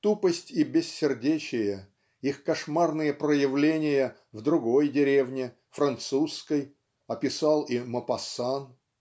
Тупость и бессердечие, их кошмарные проявления в другой деревне французской описал и Мопассан.